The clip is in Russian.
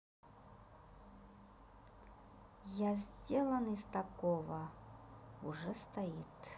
я сделан из такого уже стоит